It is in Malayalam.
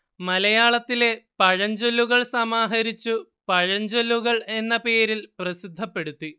മലയാളത്തിലെ പഴഞ്ചൊല്ലുകൾ സമാഹരിച്ചു പഴഞ്ചൊല്ലുകൾ എന്ന പേരിൽ പ്രസിദ്ധപ്പെടുത്തി